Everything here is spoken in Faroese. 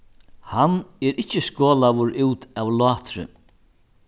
hann er ikki skolaður út av látri